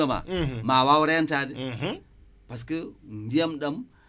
parce que